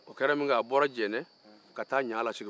o kɛra mun kɛ a bɔra jɛnɛ ka taga ɲalasigo